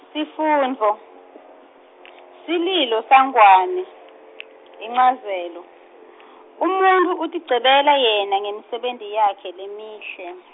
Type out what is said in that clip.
sifundvo, sililo SaNgwane, inchazelo, umuntfu utigcebela yena ngemisebenti yakhe lemihle .